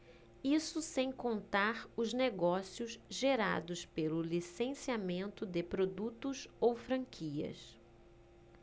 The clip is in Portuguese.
isso sem contar os negócios gerados pelo licenciamento de produtos ou franquias